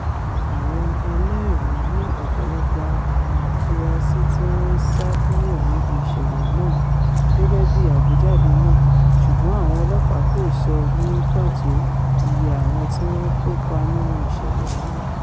Àwọn ẹlẹ́ẹ̀rí rí ọ̀pọ̀lọpọ̀ àwọn afurasí tíwọn ńsá kúrò níbi ìṣẹ̀lẹ̀ náà, gẹ́gẹ́bí àgbéjadé náà, ṣùgbọ́n àwọn ọlọ́ọ̀pá kò sọní pàtó iye àwọn tíwọ́n kópa nínú ìṣẹ̀lẹ̀ náà.